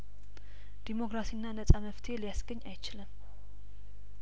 ዲሞክራሲና ነጻ መፍትሄ ሊያስገኝ አይችልም